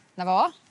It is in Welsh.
'Na fo.